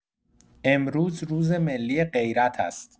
امروز روز ملی غیرت است.